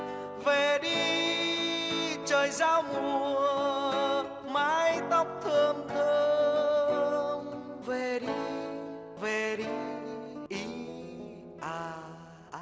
về đi trời giao mùa mái tóc thơm thơm về đi về đi ý a